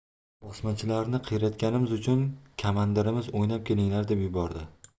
bosmachilarni qiyratganimiz uchun kamandirimiz o'ynab kelinglar deb yubordi